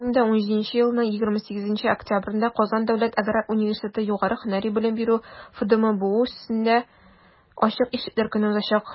2017 елның 28 октябрендә «казан дәүләт аграр университеты» югары һөнәри белем бирү фдбмусендә ачык ишекләр көне узачак.